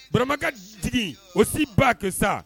Barauramaj o si ba kɛ sa